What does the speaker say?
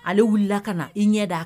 Ale wulila ka na i ɲɛ' a